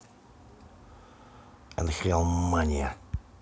нхл мания